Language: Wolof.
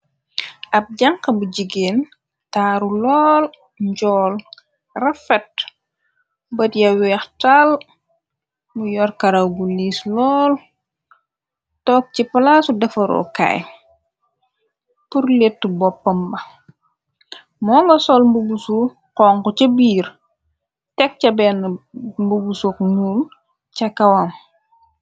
Ab jànq bu jigeen taaru lool njool rafet bot yawuyax taal mu yorkaraw bu liis lool toog ci palaasu defaroo kaay turletu boppamba moo nga sol mbubusu xongu ca biir teg ca benn mbubusuk nuur ca kawam.